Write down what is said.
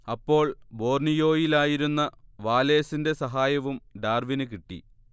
അപ്പോൾ ബോർണിയോയിലായിരുന്ന വാലേസിന്റെ സഹായവും ഡാർവിന് കിട്ടി